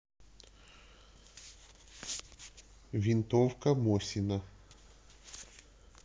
винтовка мосина